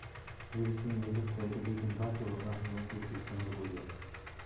virusning o'zi xitoyda lekin barcha vahimasi o'zbekistonda bo'lyapti